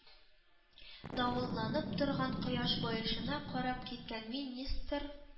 Давылланып торган кояш баешына карап киткән министр